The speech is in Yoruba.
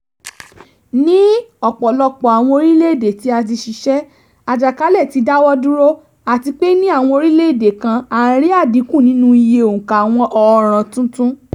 Ní ọ̀pọ̀lọpọ̀ àwọn orílẹ̀ èdè tí a ti ṣiṣẹ́, àjàkálẹ̀ ti dáwọ́ dúró, àti pé ní àwọn orílẹ̀ èdè kan à ń rí àdínkù nínú iye òǹkà àwọn ọ̀ràn tuntun.